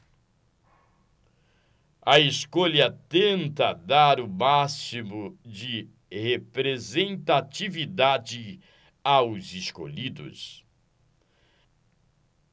a escolha tentou dar o máximo de representatividade aos escolhidos